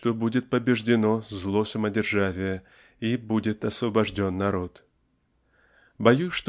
что будет побеждено зло самодержавия и будет освобожден народ. Боюсь